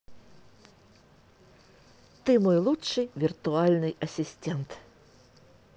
ты мой лучший виртуальный ассистент